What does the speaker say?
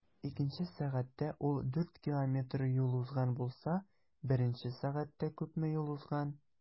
Икенче сәгатьтә ул 4 км юл узган булса, беренче сәгатьтә күпме юл узган?